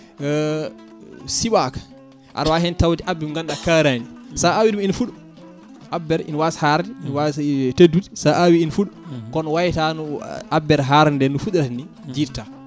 siɓaka aɗa wawi hen tawde hen gabbe nde ganduɗa karani sa awi ɗum ene fuuɗa abbere ene waasa harde ene waasa teddude sa awi ene fuuɗa kono wayata no abbere harde nde no fuɗirata ni jidata